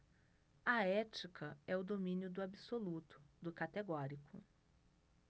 a ética é o domínio do absoluto do categórico